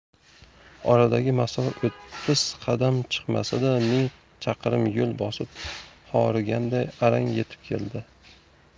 oradagi masofa o'ttiz qadam chiqmasa da ming chaqirim yo'l bosib horiganday arang yetib keldi